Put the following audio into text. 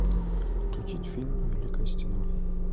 включить фильм великая стена